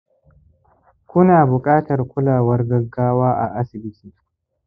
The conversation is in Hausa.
ku na buƙatar kulawar gaggawa a asibiti